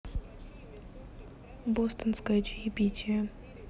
бостонское чаепитие